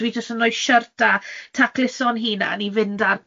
dwi jyst yn rhoi shirt a tacluso'n hunan i fynd ar